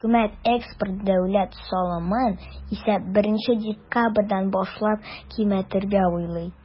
Хөкүмәт экспорт дәүләт салымын исә, 1 декабрьдән башлап киметергә уйлый.